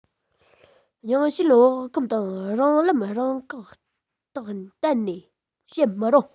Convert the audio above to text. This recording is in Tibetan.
རྙིང ཞེན བག འཁུམས དང རང ལམ རང བཀག གཏན ནས བྱེད མི རུང